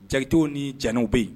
Diakité u ni Diané u be ye